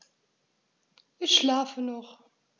Ich schlafe noch.